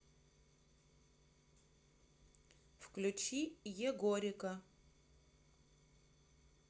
включи егорика